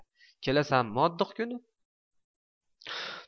kelasanmi otdix kuni